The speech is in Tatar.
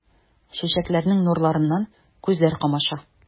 Чәчәкләрнең нурларыннан күзләр камаша.